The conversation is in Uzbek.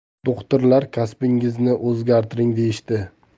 do'xtirlar kasbingizni o'zgartiring deyishdi